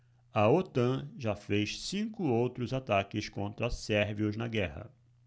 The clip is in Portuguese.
a otan já fez cinco outros ataques contra sérvios na guerra